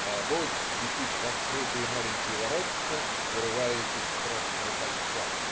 А обоз летит в открытые маленькие воротца, вырываясь из страшного кольца.